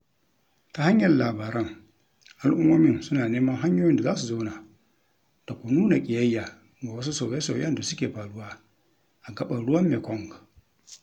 Ta hanyar labaran, al'ummomin suna neman hanyoyin da za su zauna da ko nuna ƙiyayya ga wasu sauye-sauyen da suke faruwa a gaɓar ruwan Mekong.